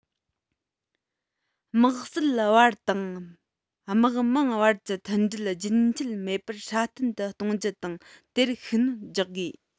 དམག སྲིད བར དང དམག དམངས བར གྱི མཐུན སྒྲིལ རྒྱུན ཆད མེད པར སྲ བརྟན དུ གཏོང རྒྱུ དང དེར ཤུགས སྣོན རྒྱག དགོས